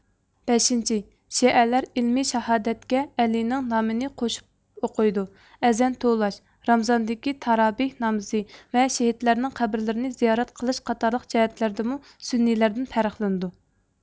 بەشىنچى شىئەلەر ئىلمى شاھادەت كە ئەلىنىڭ نامىنى قوشۇپ ئوقۇيدۇ ئەزان توۋلاش رامزاندىكى تارابېھ نامىزى ۋە شېھىتلەرنىڭ قەبرىلىرىنى زىيارەت قىلىش قاتارلىق جەھەتلەردىمۇ سۈننىيلەردىن پەرقلىنىدۇ